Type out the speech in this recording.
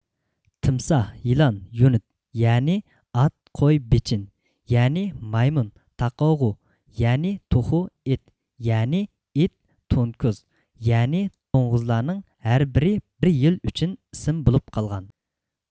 تىمساھ يىلان يۇنىد يەنى ئات قوي بېچىن يەنى مايمۇن تاقوغۇ يەنى توخۇ ئېت يەنى ئىت تونكۈز يەنى توڭغۇزلارنىڭ ھەر بىرى بىر يىل ئۈچۈن ئىسىم بولۇپ قالغان